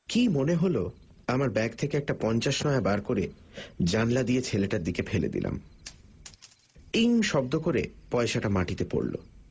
কী মনে হল আমার ব্যাগ থেকে একটা পঞ্চাশ নয়া বার করে জানলা দিয়ে ছেলেটার দিকে ফেলে দিলাম টিং শব্দ করে পয়সাটা মাটিতে পড়ল